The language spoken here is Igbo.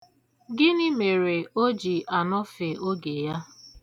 Gịnị mere o ji anọfe oge ya.